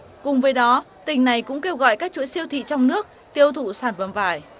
cùng với đó tỉnh này cũng kêu gọi các chuỗi siêu thị trong nước tiêu thụ sản phẩm vải